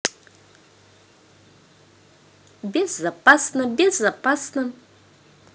безопасно безопасно